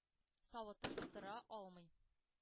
Савытын тутыра алмый.